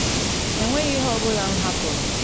“Enweghi ihe ọ bụla m hapụrụ.”